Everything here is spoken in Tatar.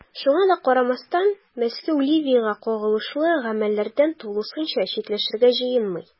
Шуңа да карамастан, Мәскәү Ливиягә кагылышлы гамәлләрдән тулысынча читләшергә җыенмый.